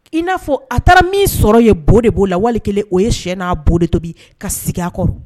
I na fɔ a taara min sɔrɔ yen bo de bo la. Wali kelen o ye sɛ na bo de tobi ka sigi a kɔrɔ.